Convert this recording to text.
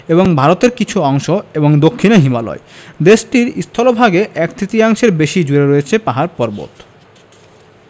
এবং ভারতের কিছু অংশ এবং দক্ষিনে হিমালয় দেশটির স্থলভাগে এক তৃতীয়াংশের বেশি জুড়ে রয়ছে পাহাড় পর্বত